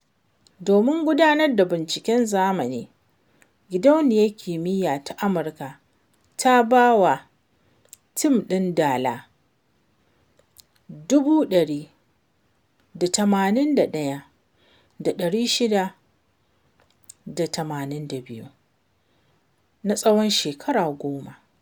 Domin gudanar da binciken zamani, Gidauniyar Kimiyya ta Amurka ta ba wa tim ɗin dala 181,682 na tsawon shekara goma.